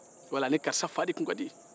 walima a ni karisa fa de tun ka di